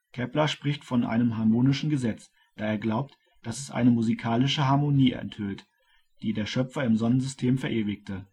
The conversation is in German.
Kepler spricht von einem harmonischen Gesetz, da er glaubt, dass es eine musikalische Harmonie enthüllt, die der Schöpfer im Sonnensystem verewigte